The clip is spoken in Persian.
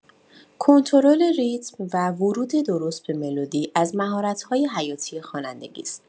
کنترل ریتم و ورود درست به ملودی، از مهارت‌های حیاتی خوانندگی است.